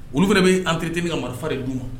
Olu fana bɛ' anan terirete min ka marifa de du ma